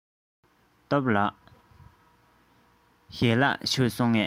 སྟོབས ལགས ཞལ ལག མཆོད སོང ངས